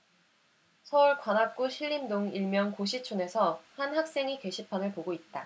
서울 관악구 신림동 일명 고시촌에서 한 학생이 게시판을 보고 있다